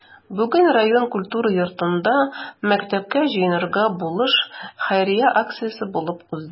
Бүген район культура йортында “Мәктәпкә җыенырга булыш” хәйрия акциясе булып узды.